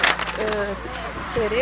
Serir